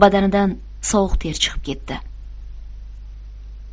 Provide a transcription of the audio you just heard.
badanidan sovuq ter chiqib ketdi